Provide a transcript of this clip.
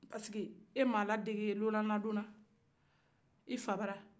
sabu e ma ladege dunan la dona i fa ka so